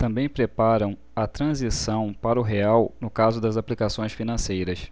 também preparam a transição para o real no caso das aplicações financeiras